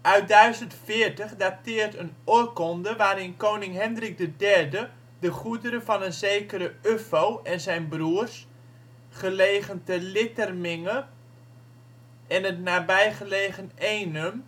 Uit 1040 dateert een oorkonde waarin koning Hendrik III de goederen van een zekere Uffo en zijn broers, gelegen te Lintherminge (Leermens) en het nabijgelegen Eenum,